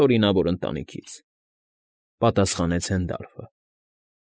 Օրինավոր ընտանիքից,֊ պատասխանեց Հենդալֆը։